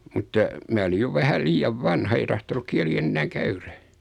mutta minä olin jo vähän liian vanha ei tahtonut kieli enää käydä